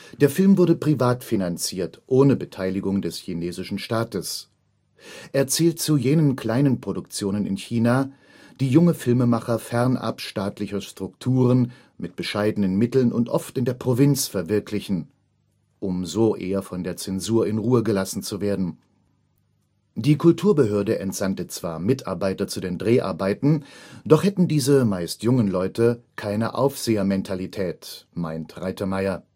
Der Film wurde privat finanziert, ohne Beteiligung des chinesischen Staats. Er zählt zu jenen kleinen Produktionen in China, die junge Filmemacher fernab staatlicher Strukturen, mit bescheidenen Mitteln und oft in der Provinz verwirklichen, um so eher von der Zensur in Ruhe gelassen zu werden. Die Kulturbehörde entsandte zwar Mitarbeiter zu den Dreharbeiten, doch hätten diese meist jungen Leute keine Aufsehermentalität, meinte Reitemeier